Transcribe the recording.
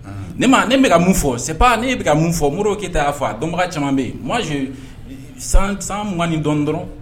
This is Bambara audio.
Ne ma ne bɛka mun fɔ sep ne bɛ ka mun fɔ mori keyita y'a faa a dɔnbaga caman bɛ yen ma san mugani dɔrɔn dɔrɔn